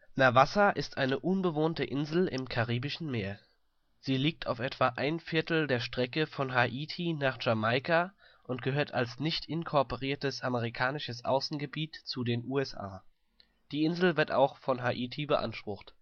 Navassa ist eine unbewohnte Insel im Karibischen Meer. Sie liegt auf etwa 1/4 der Strecke von Haiti nach Jamaika und gehört als nichtinkorporiertes amerikanisches Außengebiet zu den USA. Die Insel wird auch von Haiti beansprucht